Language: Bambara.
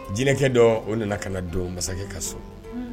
Jinɛkɛ dɔ o nana ka don masakɛ ka so